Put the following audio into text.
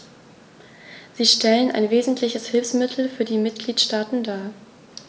Sie stellen ein wesentliches Hilfsmittel für die Mitgliedstaaten dar.